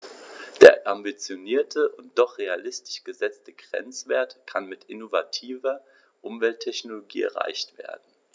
Der ambitionierte und doch realistisch gesetzte Grenzwert kann mit innovativer Umwelttechnologie erreicht werden.